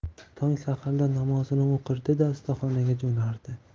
tong saharda namozini o'qirdida ustaxonaga jo'nardi